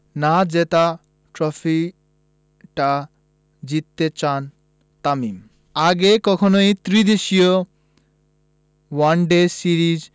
না জেতা ট্রফিটা জিততে চান তামিম আগে কখনোই ত্রিদেশীয় ওয়ানডে সিরিজ